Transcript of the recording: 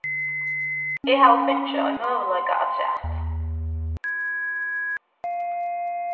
eg havi fingið ein møguleika afturat